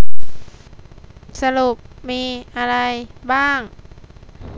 สรุปมีอะไรบ้าง